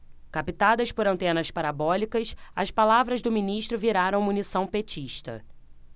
captadas por antenas parabólicas as palavras do ministro viraram munição petista